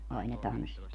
ai ne tanssit